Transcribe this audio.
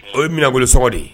O ye minɛnbolo s de ye